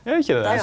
er ikkje det det?